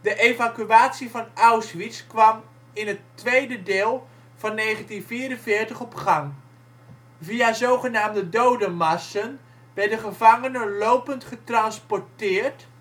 evacuatie van Auschwitz kwam in het tweede deel van 1944 op gang. Via zogenaamde dodenmarsen werden gevangenen lopend getransporteerd